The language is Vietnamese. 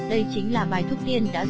đây chính là bài thuốc tiên đã giúp